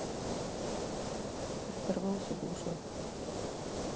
оторвался глушак